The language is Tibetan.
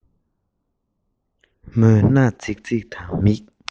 མོས སྣ རྫིག རྫིག དང མིག